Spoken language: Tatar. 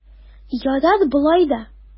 Ярар болай да!